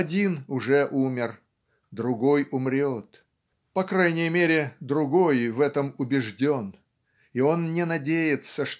Один уже умер, другой умрет по крайней мере другой в этом убежден и он не надеется